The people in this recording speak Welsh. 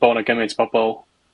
bo' 'na gymeint bobol